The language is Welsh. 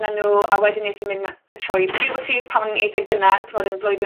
na nw. A wedyn es i myn' me- yy trwy punerty pan o'n i'n eitha gynnar, t'mod yn blwyddyn